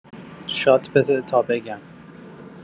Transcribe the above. شات بده تا بگم